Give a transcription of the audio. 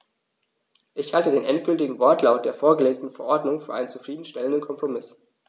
Ich halte den endgültigen Wortlaut der vorgelegten Verordnung für einen zufrieden stellenden Kompromiss.